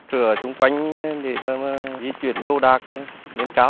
thừa xung quanh nhà để di chuyển đồ đạc lên cao